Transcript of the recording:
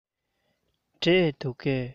འབྲས འདུག གས